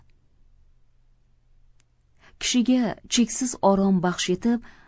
kishiga cheksiz orom baxsh etib